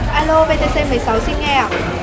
a lô vê tê xê mười sáu xin nghe ạ